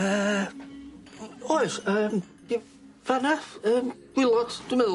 Yy, oes, yym, di fana'th yym gwaelod dwi'n meddwl.